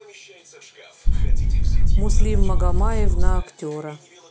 муслим магомаев на актера